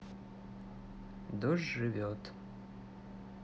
дождь живет